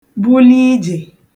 buli ijè